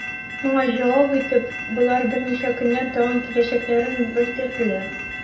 Моңа җавап итеп, болар берничә көннән тагын киләчәкләрен белдерделәр.